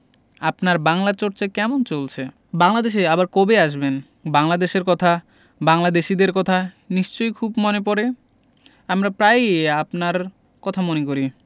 আপনার বাংলা চর্চা কেমন চলছে বাংলাদেশে আবার কবে আসবেন বাংলাদেশের কথা বাংলাদেশীদের কথা নিশ্চয় খুব মনে পরে আমরা প্রায়ই আপনারর কথা মনে করি